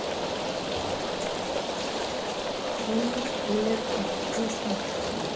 нилетто песня